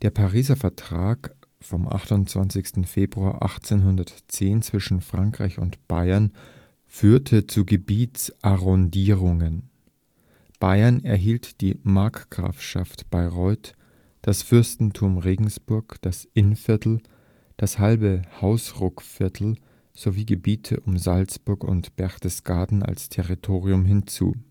Pariser Vertrag vom 28. Februar 1810 zwischen Frankreich und Bayern führte zu Gebietsarrondierungen. Bayern erhielt die Markgrafschaft Bayreuth, das Fürstentum Regensburg, das Innviertel, das halbe Hausruckviertel sowie Gebiete um Salzburg und Berchtesgaden als Territorium hinzu